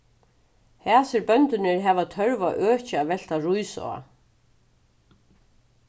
hasir bøndurnir hava tørv á øki at velta rís á